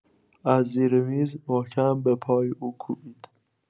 از زیر میز محکم به پای او کوبید.